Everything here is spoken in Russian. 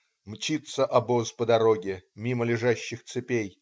Мчится обоз по дороге, мимо лежащих цепей.